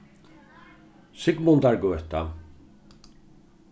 sigmundargøta